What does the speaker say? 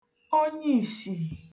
onyeìshì